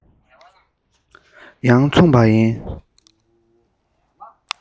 ཡང མཚུངས པ ཡིན